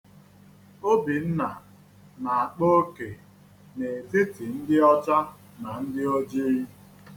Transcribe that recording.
Obinna na-akpa oke n'etiti ndị ọcha na ndị ojii.